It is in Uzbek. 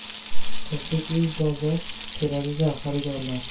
qizlik uy bozor keladi da xaridorlar